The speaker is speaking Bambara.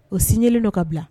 O sin ɲɛlen don ka bila